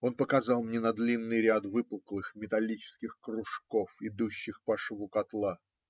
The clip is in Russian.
Он показал мне на длинный ряд выпуклых металлических кружков, идущий по шву котла.